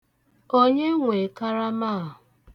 Onye nwe karama a?